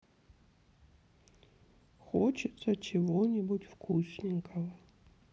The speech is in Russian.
хочется чего нибудь вкусненького